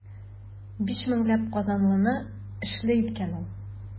Биш меңләп казанлыны эшле иткән ул.